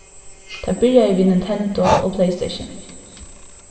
tað byrjaði við nintendo og playstation